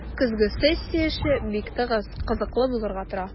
Көзге сессия эше бик тыгыз, кызыклы булырга тора.